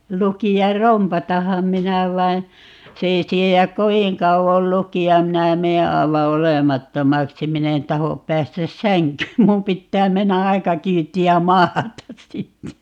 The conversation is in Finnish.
lukea rompatanhan minä vaan se ei siedä kovin kauan lukea minä menen aivan olemattomaksi minä en tahdo päästä sänkyyn minun pitää mennä aika kyytiä maata sitten